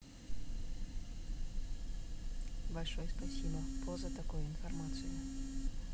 большой спасибо поза такой информацию